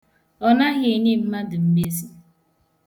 Ọ naghị enye mmadụ mmezi.